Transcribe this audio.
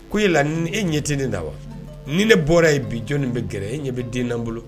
Ko e la e ɲɛt ne na wa ni ne bɔra ye bi jɔnni bɛ gɛrɛ e ɲɛ bɛ den naani bolo